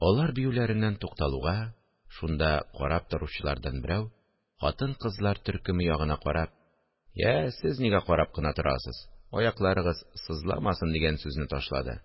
Алар биюләреннән тукталуга, шунда карап торучылардан берәү, хатын-кызлар төркеме ягына карап: – Йә, сез нигә карап кына торасыз? Аякларыгыз сызламасын, – дигән сүзне ташлады